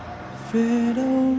về